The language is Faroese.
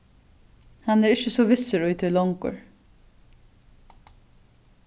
hann er ikki so vissur í tí longur